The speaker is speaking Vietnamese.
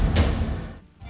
thực